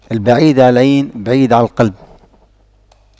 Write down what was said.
البعيد عن العين بعيد عن القلب